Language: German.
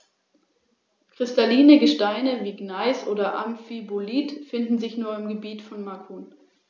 Die Stacheligel haben als wirksame Verteidigungswaffe Stacheln am Rücken und an den Flanken (beim Braunbrustigel sind es etwa sechs- bis achttausend).